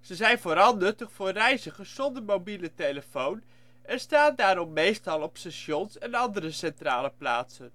Ze zijn vooral nuttig voor reizigers zonder mobiele telefoon en staan daarom meestal op stations en andere centrale plaatsen